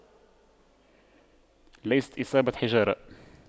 ليست إصابة حجارة